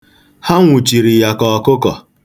Ha nwụchiri ya ka ọkụkọ.